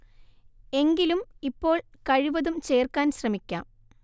എങ്കിലും ഇപ്പോൾ കഴിവതും ചേർക്കാൻ ശ്രമിക്കാം